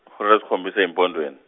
ihora lesikhombisa ezimpondweni.